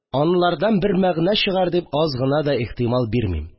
Анлардан бер мәгънә чыгар дип аз гына да ихтимал бирмим